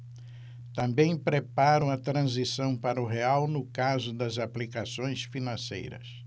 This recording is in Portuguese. também preparam a transição para o real no caso das aplicações financeiras